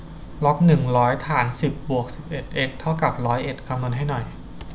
ล็อกหนึ่งร้อยฐานสิบบวกสิบเอ็ดเอ็กซ์เท่ากับร้อยเอ็ดคำนวณให้หน่อย